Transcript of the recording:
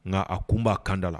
Nka a kun ba kan dala